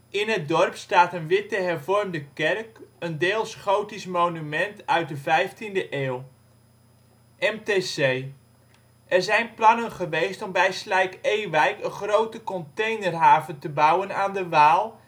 In het dorp staat een witte hervormde kerk, een deels gotisch monument uit de 15de eeuw. 1 MTC 2 Landgoed Loenen en Boerderij De Danenburg 3 Trivia 4 Zie ook 5 Bronnen, noten en/of referenties Er zijn plannen geweest om bij Slijk-Ewijk een grote containerhaven te bouwen aan de Waal